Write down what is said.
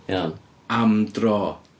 Iawn... Am dro.